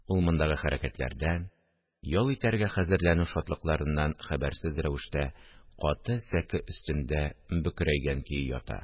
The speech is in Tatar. Ул мондагы хәрәкәтләрдән, ял итәргә хәзерләнү шатлыкларыннан хәбәрсез рәвештә, каты сәке өстендә бөкрәйгән көе ята